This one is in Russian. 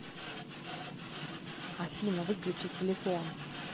афина выключи телефон